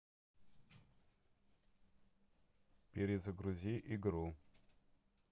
перезагрузи игру